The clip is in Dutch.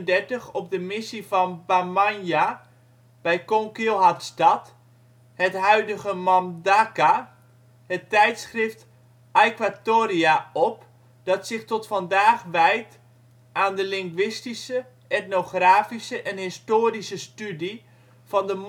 1937 op de missie van Bamanya, bij Coquilhatstad (het huidige Mbandaka), het tijdschrift ' Aequatoria ' op dat zich tot vandaag wijdt aan de linguïstische, etnografische en historische studie van de